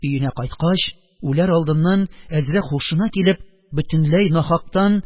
Өенә кайткач, үләр алдыннан, әзрәк һушына килеп, бөтенләй нахактан: